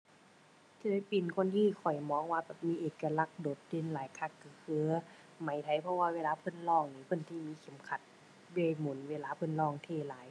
ศิลปินคนที่ข้อยมองว่าแบบมีเอกลักษณ์โดดเด่นหลายคักก็คือ ไหมไทย เพราะว่าเวลาเพิ่นร้องนี้ เพิ่นสิมีเข็มขัดไว้หมุนเวลาเพิ่นร้อง เท่หลาย